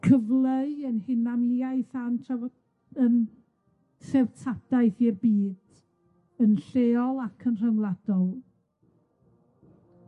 cyfleu 'yn hunaniaeth a'n trafod- 'yn treftadaeth i'r byd, yn lleol ac yn rhyngwladol.